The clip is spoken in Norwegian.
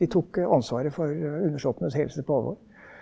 de tok ansvaret for undersåttenes helse på alvor.